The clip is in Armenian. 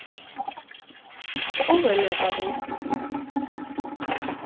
Ո՞վ է մեղավոր։